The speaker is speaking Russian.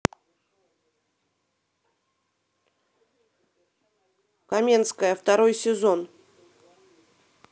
каменская второй сезон